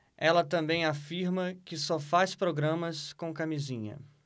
ela também afirma que só faz programas com camisinha